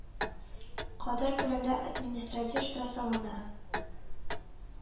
Кадәр күләмдә административ штраф салына